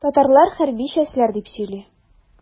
Татарлар хәрби чәстләр дип сөйли.